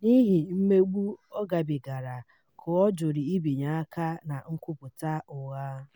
n'ihi mmegbu ọ gabigara ka ọ jụrụ ibinye aka na nkwupụta ụgha.